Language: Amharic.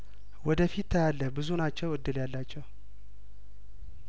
ወደፊት ታያለህ ብዙ ናቸው እድል ያላቸው